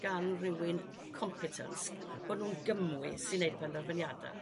gan rywun compitence bo'n nhw'n gymwys i neud penderfyniada'